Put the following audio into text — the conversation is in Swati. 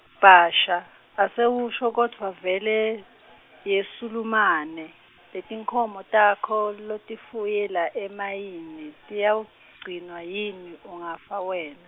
Bhasha, Asewusho kodvwa vele yeSulumane , letinkhomo takho lotifuye la emayini tiyawugcinwa yini ungafa wena?